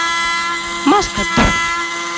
машка дура